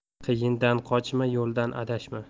qiyindan qochma yo'ldan adashma